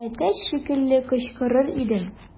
Әтәч шикелле кычкырыр идем.